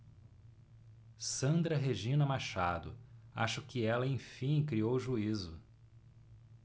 sandra regina machado acho que ela enfim criou juízo